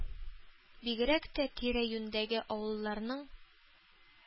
Бигрәк тә тирә-юньдәге авылларның